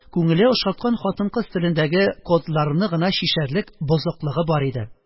Күңеле ошаткан хатын-кыз телендәге «код»ларны гына чишәрлек «бозыклыгы» бар иде.